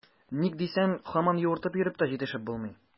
Ник дисәң, һаман юыртып йөреп тә җитешеп булмый.